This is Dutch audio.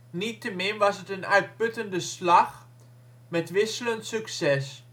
Niettemin was het een uitputtende slag, met wisselend succes